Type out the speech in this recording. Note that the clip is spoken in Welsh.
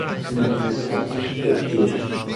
ac ymarfer corff bob dydd.